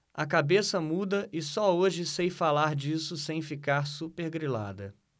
a cabeça muda e só hoje sei falar disso sem ficar supergrilada